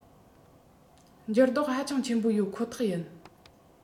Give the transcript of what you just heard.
འགྱུར ལྡོག ཧ ཅང ཆེན པོ ཡོད ཁོ ཐག ཡིན